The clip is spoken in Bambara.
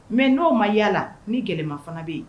Mɛ n'o ma yaa yalala ni gɛlɛya fana bɛ yen